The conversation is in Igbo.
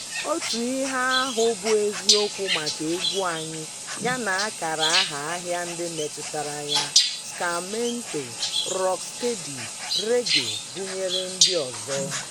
Otu ihe ahụ bụ eziokwu maka egwu anyị yana ákàrà aha ahịa ndị metụtara ya, Ska, Mento, Rock Steady, Reggae gụnyere ndị ọzọ.